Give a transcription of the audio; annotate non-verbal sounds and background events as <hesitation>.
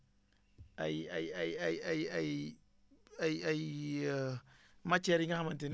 ay ay ay ay ay ay ay ay ay <hesitation> matières yi nga xamante ni